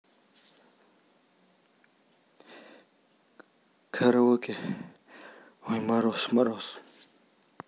караоке ой мороз мороз